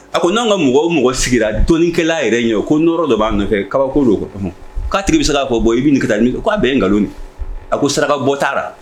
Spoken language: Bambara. A ko n'an ka mɔgɔw mɔgɔ sigira dɔnikɛla yɛrɛ ye ko nɔrɔ dɔ b'a nɔfɛ kabako don ko k'a tigi bɛ se'a fɔ bɔ i bɛ ka taa k' aa bɛn n nkaloni a ko saraka bɔ taara